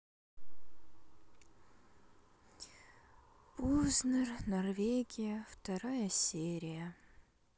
познер норвегия вторая серия